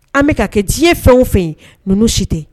An bɛka ka kɛ diɲɛ fɛnw fɛ yen ninnu si tɛ